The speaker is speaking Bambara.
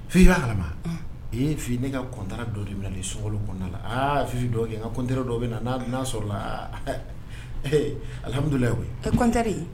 F'i i y'a hama e fi ne ka kɔntara dɔ de minɛ na i sunkolonɔndala fi dɔw kɛ nka kɔntra dɔw dɔ bɛ na n'a n'a sɔrɔ alihamududulila kɔnɔnte de